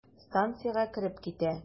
Станциягә кереп китә.